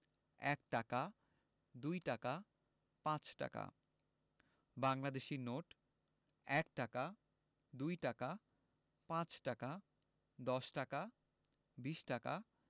১ টাকা ২ টাকা ৫ টাকা বাংলাদেশি নোটঃ ১ টাকা ২ টাকা ৫ টাকা ১০ টাকা ২০ টাকা